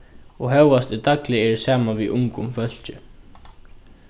og hóast eg dagliga eri saman við ungum fólki